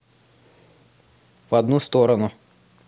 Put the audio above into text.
в одну сторону